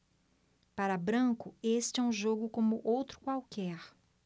para branco este é um jogo como outro qualquer